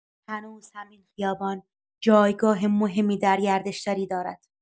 هنوز هم این خیابان جایگاه مهمی در گردشگری دارد.